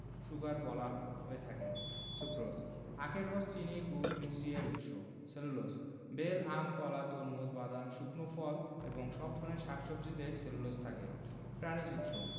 sugar বলা হয়ে থাকে সুক্রোজ আখের রস চিনি গুড় মিছরি এর উৎস সেলুলোজ বেল আম কলা তরমুজ বাদাম শুকনো ফল এবং সব ধরনের শাক সবজিতে সেলুলোজ থাকে প্রানিজ উৎস